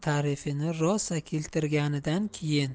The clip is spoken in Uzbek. tarifini rosa keltirganidan keyin